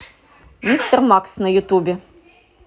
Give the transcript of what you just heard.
мистер макс на ютубе